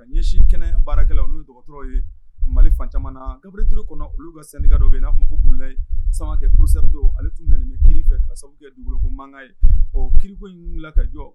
Ka ɲɛsi kɛnɛ baarakɛlaw n'u dɔgɔtɔrɔ ye mali fan caman kaburu kɔnɔ olu ka sɛnɛnika dɔw yen n'a f fɔ ko burulaye samakɛ kurusɛri don ale tun na nin bɛ kiri fɛ ka sababu kɛ dugukolo ko mankanka ye ɔ kiriko inla ka jɔ